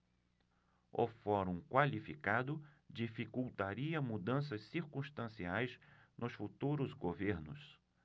o quorum qualificado dificultaria mudanças circunstanciais nos futuros governos